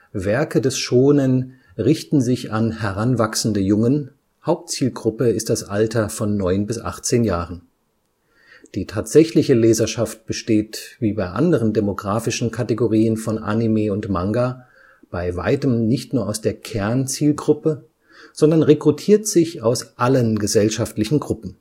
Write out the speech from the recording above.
Werke des Shōnen richten sich an heranwachsende Jungen, Hauptzielgruppe ist das Alter von 9 bis 18 Jahren. Die tatsächliche Leserschaft besteht, wie bei anderen demografischen Kategorien von Anime und Manga, bei Weitem nicht nur aus der Kernzielgruppe, sondern rekrutiert sich aus allen gesellschaftlichen Gruppen